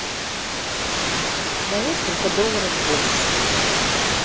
на несколько долларов больше